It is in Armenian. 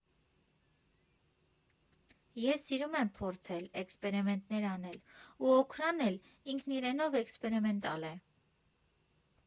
«Ես սիրում եմ փորձել, էքսպերիմենտներ անել ու «Օքրան» էլ ինքն իրենով էքսպերիմենտալ է։